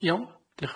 Iawn.